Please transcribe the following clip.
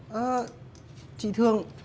ơ chị thương